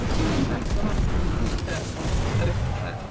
Felly dio'm yn bell o ran pellter, ond yr uchder.